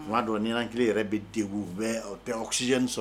Tuma dɔw ninakili yɛrɛ bɛ degun u bɛ u tɛ oxygène sɔrɔ